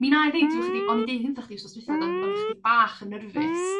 Mi 'nai ddeud o'n i deud hyn 'thoch chi wthnos dwitha 'do'n o'n i chydig bach yn nerfus